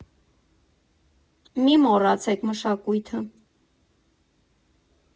Մի մոռացեք մշակույթը։